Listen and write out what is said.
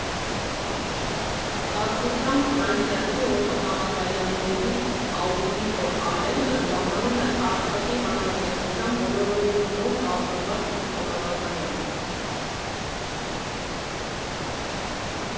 Ազգությամբ ֆրանսիացի օդանավակայանների աուդիտոր Ալենը ժամանում է Արցախի Հանրապետության՝ բոլորովին նոր կառուցված օդանավակայան։